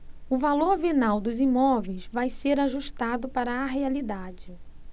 o valor venal dos imóveis vai ser ajustado para a realidade